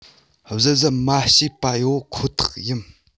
གཟབ གཟབ མ བྱས པ ཡོད ཁོ ཐག ཡིན